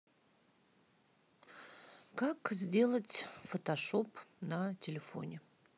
как сделать фотошоп на телефоне